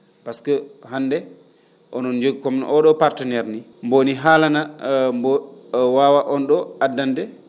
pasque hannde onon njogii comme no o?oo partenaire nii mboonin haalana mbo waawa on ?oo addande